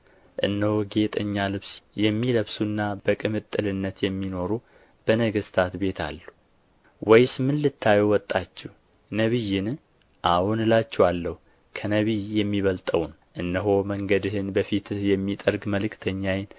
እነሆ ጌጠኛ ልብስ የሚለብሱና በቅምጥልነት የሚኖሩ በነገሥታት ቤት አሉ ወይስ ምን ልታዩ ወጣችሁ ነቢይን አዎን እላችኋለሁ ከነቢይም የሚበልጠውን እነሆ መንገድህን